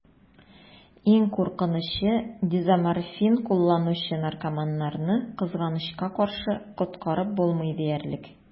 Иң куркынычы: дезоморфин кулланучы наркоманнарны, кызганычка каршы, коткарып булмый диярлек.